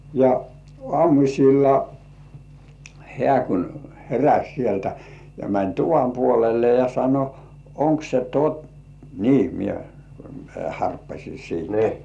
ja aamulla hän kun heräsi sieltä ja meni tuvan puolelle ja sanoi onko se - niin minä minä harppasin siitä